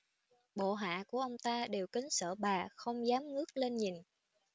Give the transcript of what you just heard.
bộ hạ của ông ta đều kính sợ bà không dám ngước lên nhìn